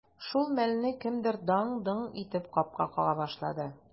Шул мәлне кемдер даң-доң итеп капка кага башлады.